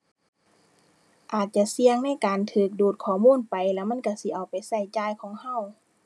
อาจจะเสี่ยงในการถูกดูดข้อมูลไป แล้วมันถูกสิเอาไปถูกจ่ายของถูก